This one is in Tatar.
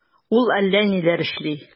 Ул әллә ниләр эшли...